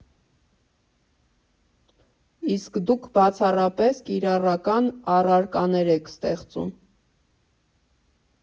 Իսկ դուք բացառապես կիրառական առարկաներ եք ստեղծում։